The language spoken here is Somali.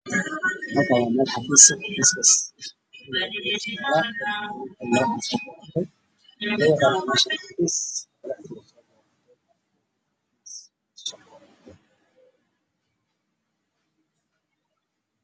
Waa meel xafiis waxaa joogo niman